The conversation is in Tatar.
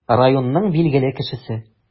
Районның билгеле кешесе.